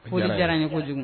Ko diyara ye kojugu